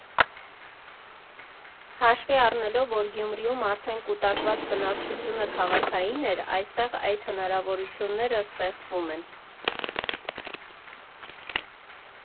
Հաշվի առնելով, որ Գյումրիում արդեն կուտակված բնակչությունը քաղաքային էր, այստեղ այդ հնարավորությունները ստեղծվում են։